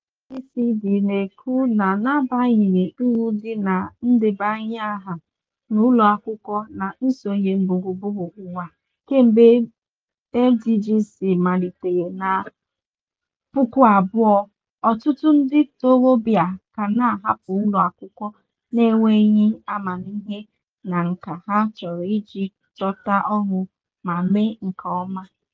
OECD na-ekwu na n'agbanyeghị uru dị na ndebanye aha n'ụlọakwụkwọ na nsonye gburugburu ụwa kemgbe MDGs malitere na 2000, ọtụtụ ndị ntorobịa ka na-ahapụ ụlọakwụkwọ n'enweghị amamihe na nkà ha chọrọ iji chọta ọrụ ma mee nke ọma.